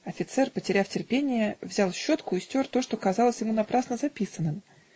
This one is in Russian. Офицер, потеряв терпение, взял щетку и стер то, что казалось ему напрасно записанным.